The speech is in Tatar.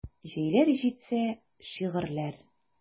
Җәйләр җитсә: шигырьләр.